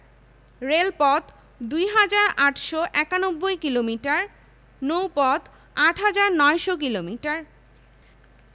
রেলপথ ২হাজার ৮৯১ কিলোমিটার নৌপথ ৮হাজার ৯০০ কিলোমিটার